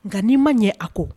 Nka n'i ma ɲɛ a ko